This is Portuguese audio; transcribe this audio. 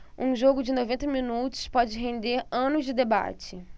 um jogo de noventa minutos pode render anos de debate